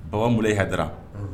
Baba bolohi hadararan